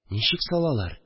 Ничек салалар